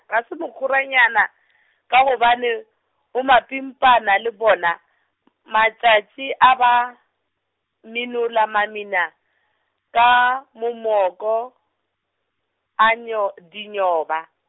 ga se mokhoranyana, ka gobane bomapimpana le bona , matšatši a ba, minola mamina, ka mo moko, a nyo-, dinyoba.